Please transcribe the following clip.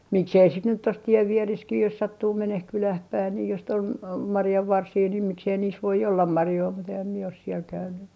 miksi ei sitten nyt tuossa tien vieressä jos sattuu menemään kylään päin niin jos sitten oli marjanvarsia niin miksi ei niissä voi olla marjoja mutta enhän minä ole siellä käynyt